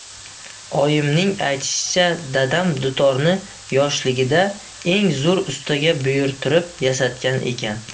oyimning aytishicha dadam dutorni yoshligida eng zo'r ustaga buyurtirib yasatgan ekan